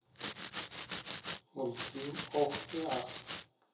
мультфильм ох и ах